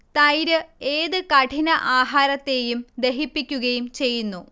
തൈര് ഏത് കഠിന ആഹാരത്തെയും ദഹിപ്പിക്കുകയും ചെയ്യുന്നു